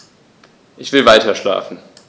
Ich will weiterschlafen.